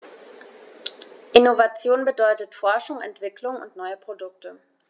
Innovation bedeutet Forschung, Entwicklung und neue Produkte.